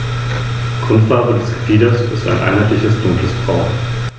Damit beherrschte Rom den gesamten Mittelmeerraum.